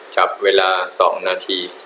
จับเวลาสองนาที